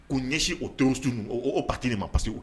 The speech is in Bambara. K'u ɲɛsin o tɔ su ninnu o o parti de ma parce que